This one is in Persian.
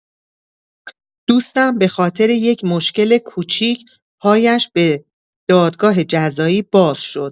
دوستم به‌خاطر یه مشکل کوچیک پایش به دادگاه جزایی باز شد.